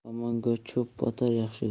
yomonga cho'p botar yaxshiga so'z